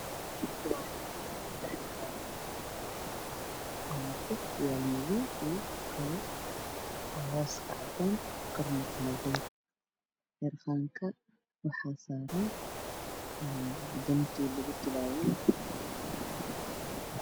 Waa mooto qalin oo wato nin wata shaar madow ah iyo goofin madoobe ah waxa saaran nin kale oo wato khamiis madow ah